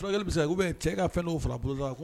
Furakɛli be se ka kɛ ou bien cɛ ka fɛn dɔw far'a bolodala